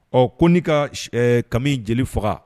Ɔ ko n'i ka kami jeli faga